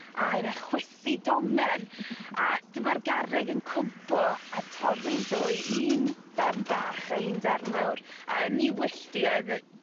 a oedd e chwysu domen a dyma'r garreg yn cwmpo a torri'n ddwy un ddarn bach a un darn mowr a yn 'i wyllti oedd e